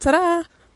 Tara!